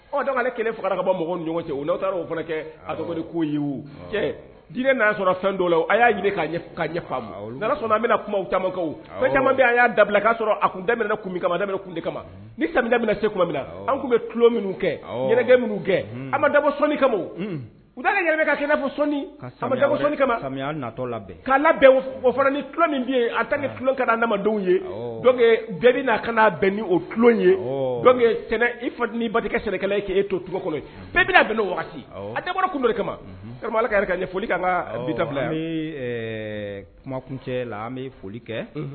Dɔgɔ ale kelen faga ka bɔ mɔgɔw ɲɔgɔn cɛ n'aw taara fana kɛ ko diinɛ'a sɔrɔ fɛn dɔw la a y'a ɲini ɲɛ bɛna kuma tama y'an dabila'a sɔrɔ a da kama kun de kama ni sami se tuma min na anw tun bɛlo kɛ minnu kɛ an daboni kama u kani da kama natɔ la k'a fana nilo min bɛ ye a taa ni tulonlo ka nadenw ye dɔ bɛɛ bɛ'a kan' bɛn ni o tulonlo ye dɔ t i fa ni barikakɛ sɛnɛkɛla k e to tu ye bɛɛ bɛna bɛn waati a tɛ kun kamaba foli ka ka bi cɛ la an bɛ foli kɛ